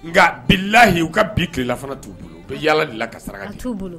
Nka bilayi u ka bi tilela fana tu bolo u bɛ yaala dela ka saraka